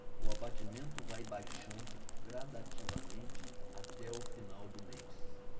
o abatimento vai baixando gradativamente até o final do mês